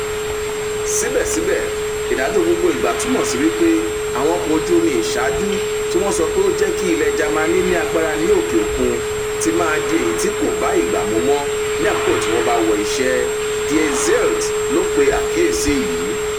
Síbẹ̀síbẹ̀, ìdádúró gbogbo ìgbà túmọ̀ sí wípé àwọn ọkọ̀ ojú omi ìṣaajú - tí wọn sọ pé ó jẹ́ kí ilẹ̀ jámánì ní agbara ní òkè òkun - ti máa di èyí tí kò bá ìgbà mu mọ́ ní àkókò tí wọ́n bá wọ iṣẹ́. Die Zelt ló pe àkíyèsí yìí.